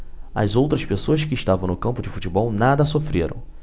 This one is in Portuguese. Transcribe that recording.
as outras pessoas que estavam no campo de futebol nada sofreram